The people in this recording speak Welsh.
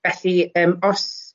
Felly yym os